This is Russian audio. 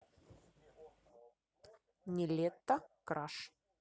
нилетто краш